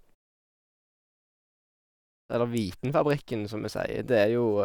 Eller Vitenfabrikken, som vi sier, det er jo...